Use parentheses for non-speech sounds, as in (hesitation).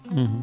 (hesitation) (hesitation)